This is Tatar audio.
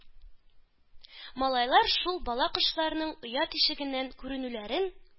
Малайлар шул бала кошларның оя тишегеннән күренүләрен